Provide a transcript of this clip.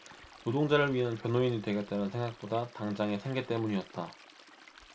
노동자를 위한 변호인이 되겠다는 생각보다 당장의 생계 때문이었다